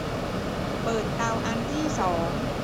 เปิดเตาอันที่สอง